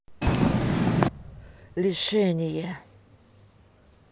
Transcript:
лишение